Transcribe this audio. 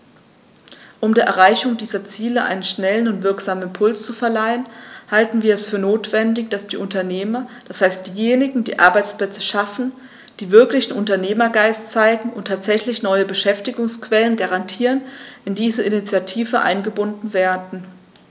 Um der Erreichung dieser Ziele einen schnellen und wirksamen Impuls zu verleihen, halten wir es für notwendig, dass die Unternehmer, das heißt diejenigen, die Arbeitsplätze schaffen, die wirklichen Unternehmergeist zeigen und tatsächlich neue Beschäftigungsquellen garantieren, in diese Initiative eingebunden werden.